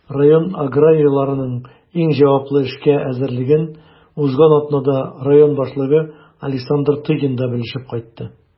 Район аграрийларының иң җаваплы эшкә әзерлеген узган атнада район башлыгы Александр Тыгин да белешеп кайтты.